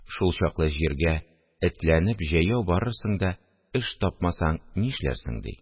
Шулчаклы җиргә этләнеп җәяү барырсың да, эш тапмасаң нишләрсең, – ди